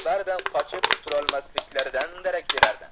baridan qochib qutulolmasliklaridan darak berardi